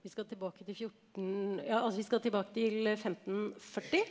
vi skal tilbake til 14 ja altså vi skal tilbake til 1540 ja.